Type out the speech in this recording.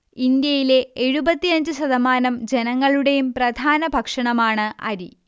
ഇന്ത്യയിലെ എഴുപത്തിയഞ്ച് ശതമാനം ജനങ്ങളുടേയും പ്രധാന ഭക്ഷണമാണ് അരി